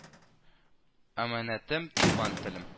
Әманәтем Туган телем